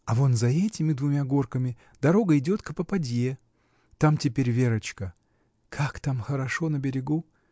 А вон, за этими двумя горками, дорога идет к попадье. Там теперь Верочка. Как там хорошо, на берегу!